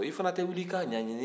i fɛnɛ tɛ wil'i ka ɲɛɲini